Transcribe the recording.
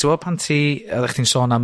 ti w'od pan ti oddech chdi'n sôn am